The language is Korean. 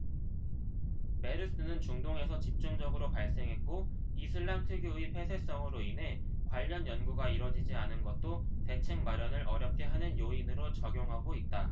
메르스는 중동에서 집중적으로 발생했고 이슬람 특유의 폐쇄성으로 인해 관련 연구가 이뤄지지 않은 것도 대책 마련을 어렵게 하는 요인으로 작용하고 있다